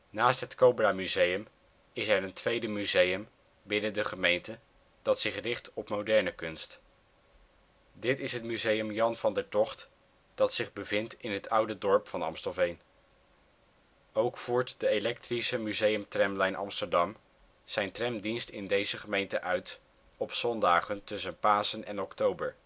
Naast het Cobra Museum is er een tweede museum binnen de gemeente dat zich richt op moderne kunst. Dit is het Museum Jan van der Togt, dat zich bevindt in ' t oude dorp van Amstelveen. Ook voert de Electrische Museumtramlijn Amsterdam zijn tramdienst in deze gemeente uit op zondagen tussen Pasen en oktober